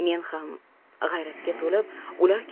men ham g'ayratga to'lib ular